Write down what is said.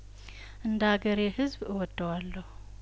እንደ አገሬ ህዝብ እወደ ዋለሁ